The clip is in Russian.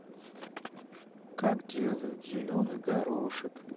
как делают зеленый горошек